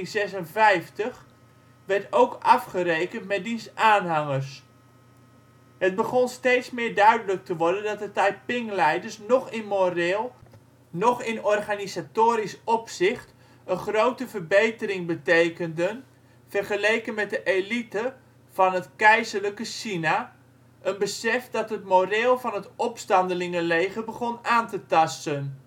september 1856) werd ook afgerekend met diens aanhangers. Het begon steeds meer duidelijk te worden dat de Taiping-leiders noch in moreel, noch in organisatorisch opzicht een grote verbetering betekenden vergeleken met de elite van het keizerlijke China, een besef dat het moreel van het opstandelingenleger begon aan te tasten